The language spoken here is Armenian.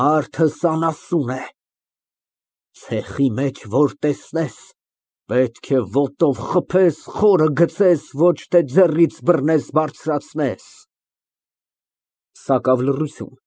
Մարդս անասուն է, ցեխի մեջ որ տեսնես, պետք է ոտով խփես, խորը գցես, ոչ թե ձեռքից բռնես բարձրացնես։ (Սակավ լռություն։